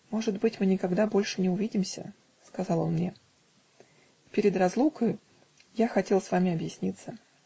-- Может быть, мы никогда больше не увидимся, -- сказал он мне, -- перед разлукой я хотел с вами объясниться.